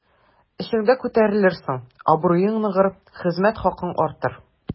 Эшеңдә күтәрелерсең, абруең ныгыр, хезмәт хакың артыр.